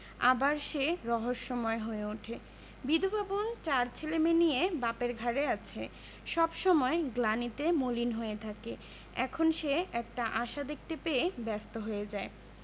আবার সে রহস্যময় হয়ে উঠে বিধবা বোন চার ছেলেমেয়ে নিয়ে বাপের ঘাড়ে আছে সব সময় গ্লানিতে মলিন হয়ে থাকে এখন সে একটা আশা দেখতে পেয়ে ব্যস্ত হয়ে যায়